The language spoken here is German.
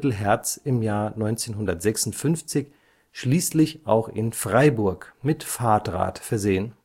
Hertz im Jahr 1956 schließlich auch in Freiburg mit Fahrdraht versehen